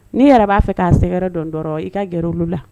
N'i yɛrɛ b'a fɛ k'a sɛgɛrɛ dɔn dɔrɔn i ka g la